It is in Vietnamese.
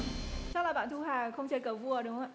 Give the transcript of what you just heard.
chắc là bạn thu hà không chơi cờ vua đúng không ạ